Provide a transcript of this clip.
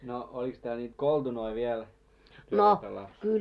no olikos täällä niitä koltunoita vielä kun te olitte lapsena